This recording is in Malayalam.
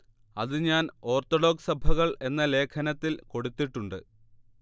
അത് ഞാൻ ഓർത്തഡോക്സ് സഭകൾ എന്ന ലേഖനത്തിൽ കൊടുത്തിട്ടുണ്ട്